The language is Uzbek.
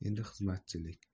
endi xizmatchilik